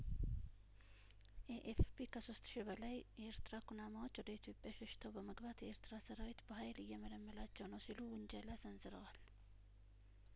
ኤኤፍፒ ከሶስት ሺ በላይ የኤርትራ ኩናማዎች ወደ ኢትዮጵያ ሸሽተው በመግባት የኤርትራ ሰራዊት በሀይል እየመለመላቸው ነው ሲሉ ውንጀላ ሰንዝረዋል